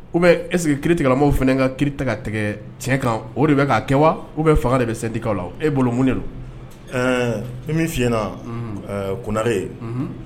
U bɛ ese ki tigɛlama fana ka ki tigɛ ka tɛgɛ cɛn kan o de bɛ ka kɛ wa u bɛ fanga de bɛ santigikaw la e bolokun don ɛɛ min fi na konare ye